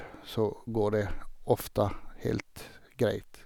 Så går det ofte helt greit.